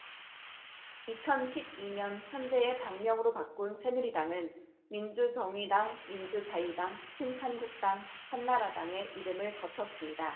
이천 십 이 년 현재의 당명으로 바꾼 새누리당은 민주정의당 민주자유당 신한국당 한나라당의 이름을 거쳤습니다